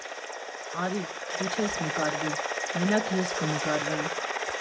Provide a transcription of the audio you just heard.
֊ Արի, դու չես նկարվի, մենակ ես կնկարվեմ…